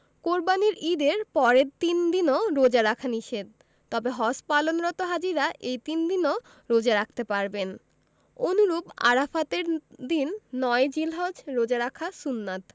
কোরবানির ঈদের পরের তিন দিনও রোজা রাখা নিষেধ তবে হজ পালনরত হাজিরা এই তিন দিনও রোজা রাখতে পারবেন অনুরূপ আরাফাতের দিন ৯ জিলহজ রোজা রাখা সুন্নাত